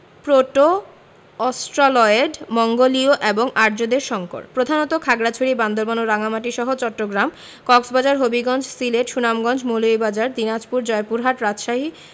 proto Australoid মঙ্গোলীয় এবং আর্যদের সংকর প্রধানত খাগড়াছড়ি বান্দরবান ও রাঙ্গামাটিসহ চট্টগ্রাম কক্সবাজার হবিগঞ্জ সিলেট সুনামগঞ্জ মৌলভীবাজার দিনাজপুর জয়পুরহাট রাজশাহী